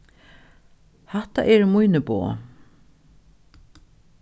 hatta eru míni boð